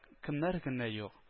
Кемнәр генә юк